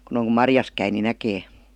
kun on kun marjassa käy niin näkee